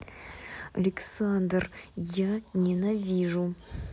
александр я ненавижу